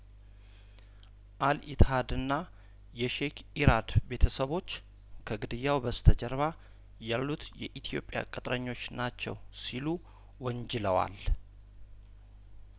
አልኢትሀድና የሼክ ኢራድ ቤተሰቦች ከግድያው በስተጀርባ ያሉት የኢትዮጵያ ቅጥረኞች ናቸው ሲሉ ወንጅለዋል